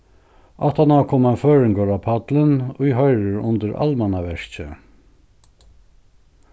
aftaná kom ein føroyingur á pallin ið hoyrir undir almannaverkið